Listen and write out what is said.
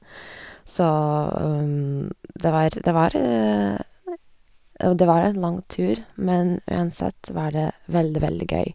så det var det var og det var en lang tur, men uansett var det veldig, veldig gøy.